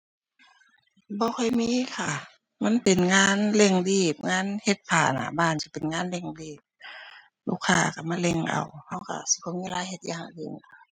บ่ค่อยมีค่ะ มันเป็นงานเร่งรีบ งานเฮ็ดผ้าน่ะ บ้านจะเป็นงานเร่งรีบ ลูกค้าก็มาเร่งเอา ก็ก็สิบ่มีเวลาเฮ็ดอย่างอื่น